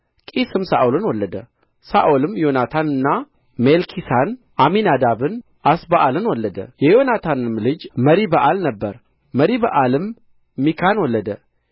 ቂስም ሳኦልን ወለደ ሳኦልም ዮናታንን ሚልኪሳን አሚናዳብን አስባኣልን ወለደ የዮናታንም ልጅ መሪበኣል ነበረ መሪበኣልም ሚካን ወለደ